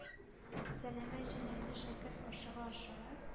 Сәләмә җиләнле шәкерт ашыга-ашыга